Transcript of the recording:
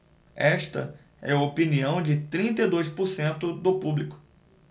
esta é a opinião de trinta e dois por cento do público